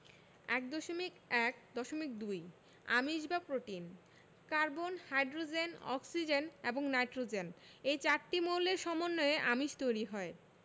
১.১.২ আমিষ বা protein carbon hydrogen oxygen এবং নাইট্রোজেন এ চারটি মৌলের সমন্বয়ে আমিষ তৈরি হয়